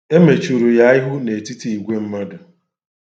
E mechuru ya ihu n'etiti igwe mmadụ.